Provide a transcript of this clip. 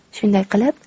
shunday qilib